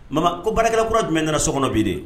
Ma ko baarakɛ kura jumɛn nana so kɔnɔ bi de